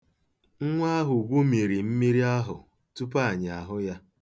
Nwa ahụ gwumiri mmiri ahụ tupu anyị ahụ ya.